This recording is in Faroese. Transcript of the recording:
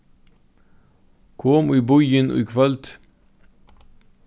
kom í býin í kvøld